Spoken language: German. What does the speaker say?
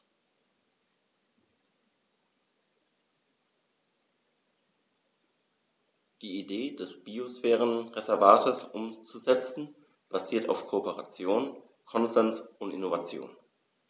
Die Idee des Biosphärenreservates umzusetzen, basiert auf Kooperation, Konsens und Innovation.